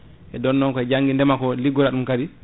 heddo non ko janggui ndeema ko liggorade ɗum kadi